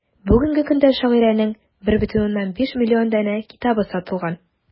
Бүгенге көндә шагыйрәнең 1,5 миллион данә китабы сатылган.